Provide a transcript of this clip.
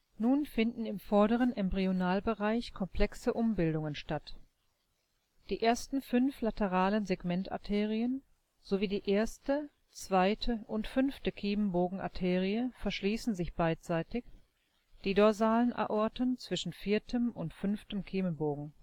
Nun finden im vorderen Embryonalbereich komplexe Umbildungen statt. Die ersten fünf lateralen Segmentarterien sowie die erste, zweite und fünfte Kiemenbogenarterie verschließen sich beidseitig, die dorsalen Aorten zwischen viertem und fünftem Kiemenbogen